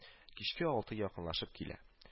Кичке алты якынлашып килә